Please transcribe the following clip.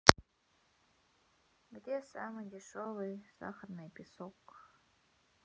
где самый дешевый сахарный песок